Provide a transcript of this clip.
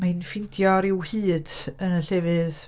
Mae'n ffeindio rhyw hud yn y llefydd...